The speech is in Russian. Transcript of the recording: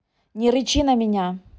не рычи на меня